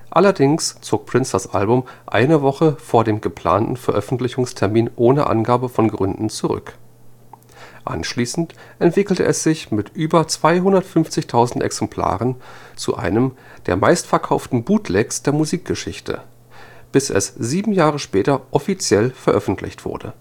Allerdings zog Prince das Album eine Woche vor dem geplanten Veröffentlichungstermin ohne Angabe von Gründen zurück. Anschließend entwickelte es sich mit über 250.000 Exemplaren zu einem der meistverkauften Bootlegs der Musikgeschichte, bis es sieben Jahre später offiziell veröffentlicht wurde